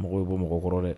Mɔgɔw bɛ ko mɔgɔ kɔrɔ dɛ